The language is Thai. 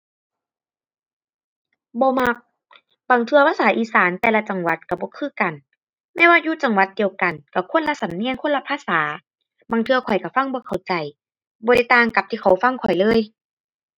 บ่มัก บางเทื่อภาษาอีสานแต่ละจังหวัดก็บ่คือกัน แม้ว่าอยู่จังหวัดเดียวกันก็คนละสำเนียง คนละภาษา บางเทื่อข้อยก็ฟังบ่เข้าใจ บ่ได้ต่างกับที่เขาฟังข้อยเลย